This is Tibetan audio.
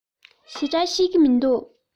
ཞེ དྲགས ཤེས ཀྱི མི འདུག